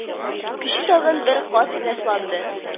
Көче тагын бер кат расланды